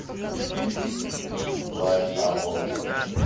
like a boss